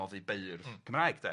Cymraeg 'de.